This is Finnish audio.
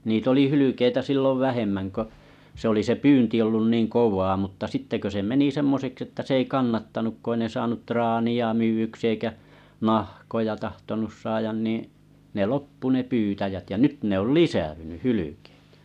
niitä oli hylkeitä silloin vähemmän kun se oli se pyynti ollut niin kovaa mutta sitten kun se meni semmoiseksi että se ei kannattanut kun ei ne saanut traania myydyksi eikä nahkoja tahtonut saada niin ne loppui ne pyytäjät ja nyt ne oli lisääntynyt hylkeet